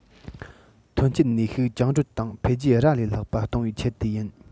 ཐོན སྐྱེད ནུས ཤུགས བཅིངས གྲོལ དང འཕེལ རྒྱས ར ལས ལྷག པ གཏོང བའི ཆེད དུ ཡིན